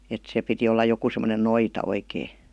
että se piti olla joku semmoinen noita oikein